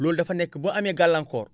loolu dafa nekk boo amee gàllankoor